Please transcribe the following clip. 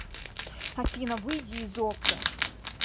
афина выйди из okko